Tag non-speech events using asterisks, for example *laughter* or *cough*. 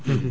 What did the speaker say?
*hesitation* *hesitation*